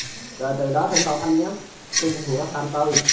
rồi từ đó thỉnh thoảng anh nhắn tin hỏi thăm tôi